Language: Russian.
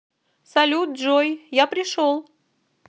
салют джой я пришел